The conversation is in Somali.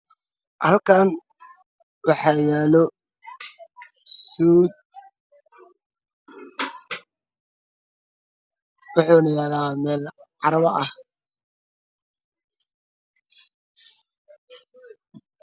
Halkaan waxaa yaalo suud oo yaalo meel carwo ah.